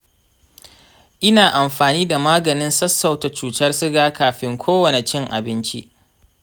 ina amfani da maganin sassauta cutar suga kafin kowane cin abinci.